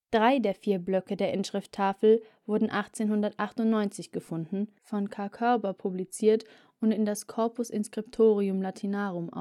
Drei der vier Blöcke der Inschriftentafel wurden 1898 gefunden, von K. Körber publiziert und in das Corpus Inscriptionum Latinarum